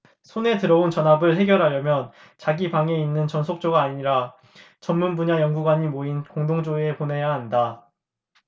손에 들어온 전합을 해결하려면 자기 방에 있는 전속조가 아니라 전문분야 연구관이 모인 공동조에 보내야 한다